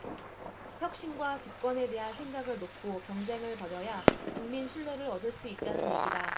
혁신과 집권에 대한 생각을 놓고 경쟁을 벌여야 국민 신뢰를 얻을 수 있다는 얘기다